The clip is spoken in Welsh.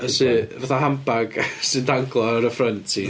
Sydd fatha handbag sy'n danglo ar y ffrynt i...